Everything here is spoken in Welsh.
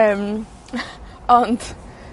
Yym, ond